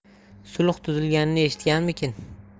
sulh tuzilganini eshitganmikin